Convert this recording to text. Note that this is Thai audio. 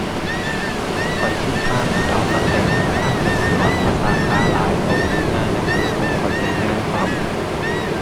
ข้อยคิดว่าผู้เฒ่ามักใช้ธนาคารกสิกรเพราะสาขาหลาย เข้าถึงง่าย แล้วใช้ระบบเข้าใจง่ายพร้อม